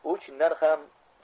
u chindan ham